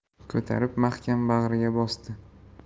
ko'tarib mahkam bag'riga bosdi